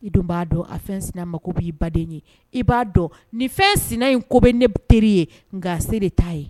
I dun b'a dɔn a fɛnina mako b'i baden ye i b'a dɔn nin fɛn senina in ko bɛ ne teri ye nka se de t'a ye